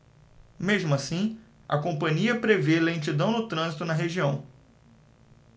mesmo assim a companhia prevê lentidão no trânsito na região